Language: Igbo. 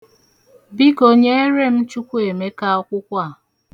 Biko nyeere m Chukwuemēkā akwụkwọ a.